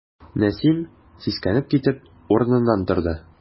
Нәсим, сискәнеп китеп, урыныннан торды.